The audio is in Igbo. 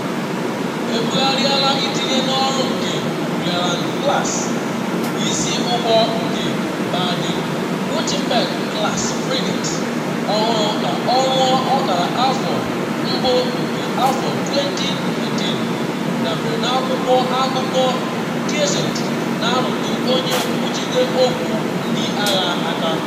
Ebugharịala itinye n’ọrụ nke “Rheinland-Pfalz,” isi ụgbọ nke Baden-Wuerttemberg-class frigate ọhụrụ ka o ruo ọkara afọ mbu nke 2019, dabere na akwụkwọ akụkọ Die Zeit, na-arụtụ onye nkwuchite okwu ndị agha aka.